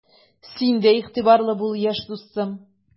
Син дә игътибарлы бул, яшь дустым!